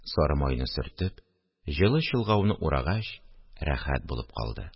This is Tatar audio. Сары майны сөртеп, җылы чолгауны урагач, рәхәт булып калды